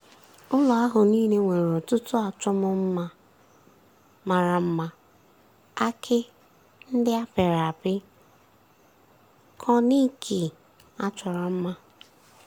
Ụlọ ahu niile nwere ọtụtụ achọmma mara mma — áàkị̀ ndị pịrị apị, kọniiki a chọrọ mma.